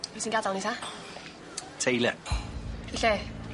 Pwy sy'n gadal ni ta? Taylor. I lle?